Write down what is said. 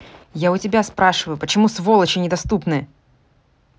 я у тебя спрашиваю почему сволочи недоступны